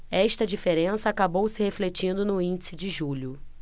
esta diferença acabou se refletindo no índice de julho